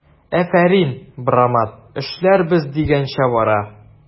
Афәрин, брамат, эшләр без дигәнчә бара!